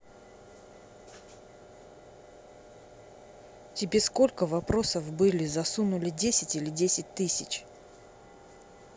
тебе сколько вопросов были засунули десять или десять тысяч